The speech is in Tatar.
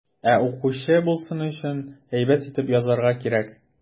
Ә укучы булсын өчен, әйбәт итеп язарга кирәк.